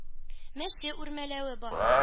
Мәче үрмәләве бар.